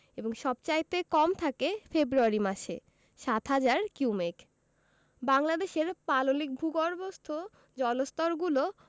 এবং সবচাইতে কম থাকে ফেব্রুয়ারি মাসে ৭হাজার কিউমেক বাংলাদেশের পাললিক ভূগর্ভস্থ জলস্তরগুলো